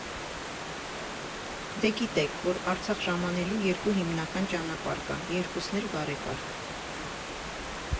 Դե գիտեք, որ Արցախ ժամանելու երկու հիմնական ճանապարհ կա, երկուսն էլ բարեկարգ։